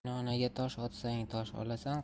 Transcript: qaynonaga tosh otsang tosh olasan